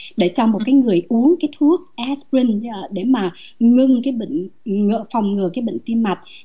để cho một cái người uống ít thuốc ép rin để mà ngưng cái bệnh ngừa phòng ngừa các bệnh tim mạch